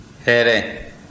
hɛrɛ